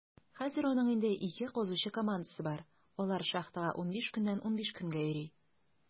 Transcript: Хәзер аның инде ике казучы командасы бар; алар шахтага 15 көннән 15 көнгә йөри.